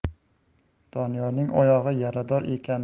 doniyorning oyog'i yarador ekanini